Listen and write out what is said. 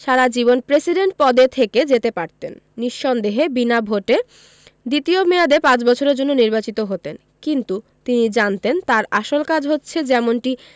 সারাজীবন প্রেসিডেন্ট পদে থেকে যেতে পারতেন নিঃসন্দেহে বিনা ভোটে দ্বিতীয় মেয়াদে পাঁচ বছরের জন্য নির্বাচিত হতেন কিন্তু তিনি জানতেন তাঁর আসল কাজ হচ্ছে যেমনটি